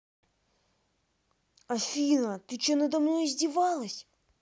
афина ты че надо мной издевалась